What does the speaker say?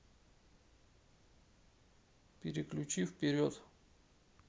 переключи вперед